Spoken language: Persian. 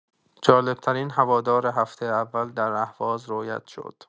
جالب‌ترین هوادار هفته اول در اهواز رویت شد.